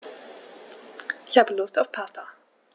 Ich habe Lust auf Pasta.